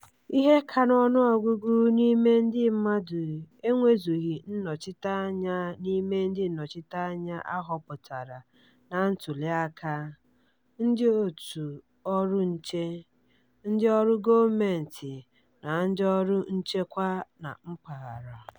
Ihe ka n'ọnụọgụgụ n'ime ndị mmadụ enwezughị nnọchiteanya n'ime ndị nnọchiteanya a họpụtara na ntụli aka, ndị òtù ọrụ nche, ndị ọrụ gọọmentị na ndị ọrụ njikwa na mpaghara.